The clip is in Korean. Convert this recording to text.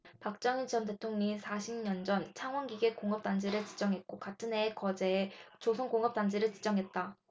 박정희 전 대통령이 사십 년전 창원기계공업단지를 지정했고 같은해에 거제에 조선공업단지를 지정했다